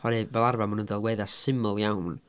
Oherwydd fel arfer maen nhw'n ddelweddau syml iawn.